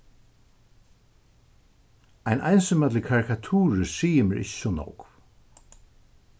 ein einsamallur karikaturur sigur mær ikki so nógv